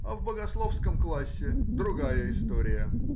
а в богословском классе другая история